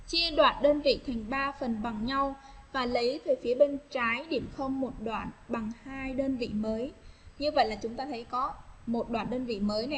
chia đoạn đơn vị thành phần bằng nhau phải lấy từ phía bên trái để xong một đoạn bằng đơn vị mới như vậy là chúng ta phải có một đoạn đơn vị mới